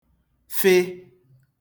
fị